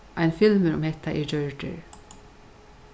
ein filmur um hetta er gjørdur